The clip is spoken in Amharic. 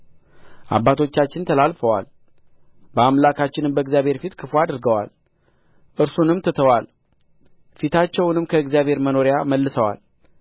አባቶቻችን ተላልፈዋል በአምላካችንም በእግዚአብሔር ፊት ክፉ አድርገዋል እርሱንም ትተዋል ፊታቸውንም ከእግዚአብሔር መኖሪያ መልሰዋል